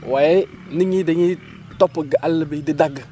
waaye nit ñi dañuy topp ga àll bi di dgg